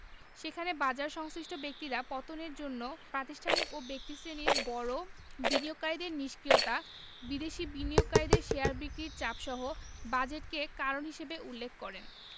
সেখানে বাজারসংশ্লিষ্ট ব্যক্তিরা পতনের জন্য প্রাতিষ্ঠানিক ও ব্যক্তিশ্রেণির বড় বিনিয়োগকারীদের নিষ্ক্রিয়তা বিদেশি বিনিয়োগকারীদের শেয়ার বিক্রির চাপসহ বাজেটকে কারণ হিসেবে উল্লেখ করেন